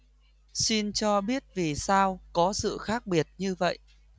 xin cho biết vì sao có sự khác biệt như vậy